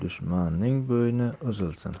dushmanning bo'yni uzilsin